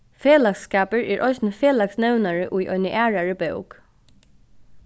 felagsskapur er eisini felagsnevnari í eini aðrari bók